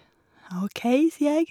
OK, sier jeg.